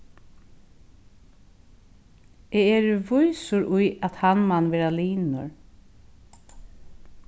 eg eri vísur í at hann man vera linur